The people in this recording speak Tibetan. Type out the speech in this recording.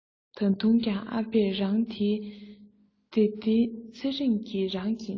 ད དུང ཀྱང ཨ ཕས རང དེའི ཚེ ཚེ རིང གི རང གི གནད